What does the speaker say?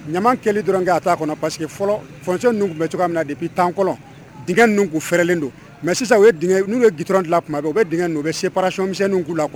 Ɲama kɛlɛli dɔrɔn kɛ a ta a kɔnɔ parce que fɔlɔsi ninnu tun bɛ cogo min na de bi tan kɔnɔ dgɛ ninnu' fɛrɛlen don mɛ sisan n'u ye g dɔrɔn dilan tuma bɛ u bɛ dgɛ ninnu u bɛ seracmisɛnsɛnni'u la kɔnɔ